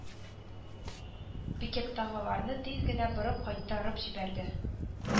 Пикеттагыларны тиз генә борып кайтарып җибәрде